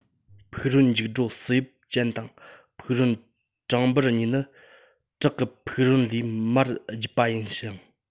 ཕུག རོན མཇུག སྒྲོ བསིལ གཡབ དབྱིབས ཅན དང ཕུག རོན བྲང འབུར གཉིས ནི བྲག གི ཕུག རོན ལས མར བརྒྱུད པ ཡིན ཞིང